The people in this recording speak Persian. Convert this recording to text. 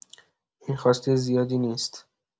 این خواسته زیادی نیست.